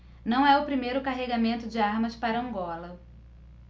não é o primeiro carregamento de armas para angola